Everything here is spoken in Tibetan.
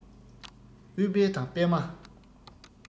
ཨུཏྤལ དང པདྨ